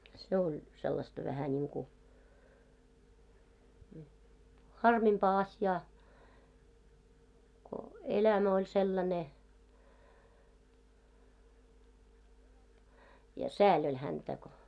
se oli sellaista vähän niin kuin harmimpaa asiaa kun elämä oli sellainen ja sääli oli häntä kun